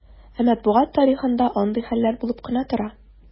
Ә матбугат тарихында андый хәлләр булып кына тора.